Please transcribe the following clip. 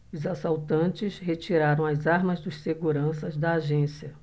os assaltantes retiraram as armas dos seguranças da agência